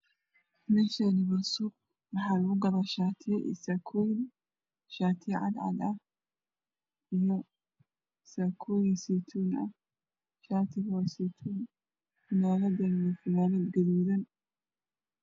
Meshani waa suq lagu gado sakoyin iyo sharar cadcad iyo sakoyin seytuuni ah iyo funanad gaduudan